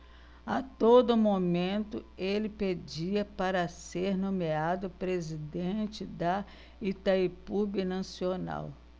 a todo momento ele pedia para ser nomeado presidente de itaipu binacional